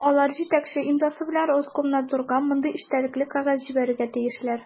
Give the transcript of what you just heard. Алар җитәкче имзасы белән Роскомнадзорга мондый эчтәлекле кәгазь җибәрергә тиешләр: